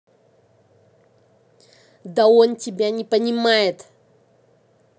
да он тебя не понимает